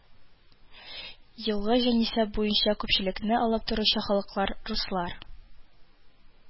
Елгы җанисәп буенча күпчелекне алып торучы халыклар: руслар